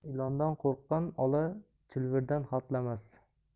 ilondan qo'rqqan ola chilvirdan hatlamas